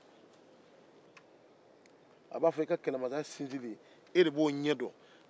a b'a fɔ e de b'i ka kɛlɛmasaya sinsinni ɲɛdɔn